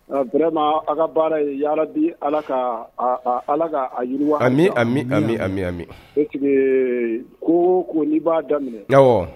Bɛma a ka baara ye yarabi ala ka ala ka a yiriwa ami a a ami ami e ko ko ni b'a daminɛ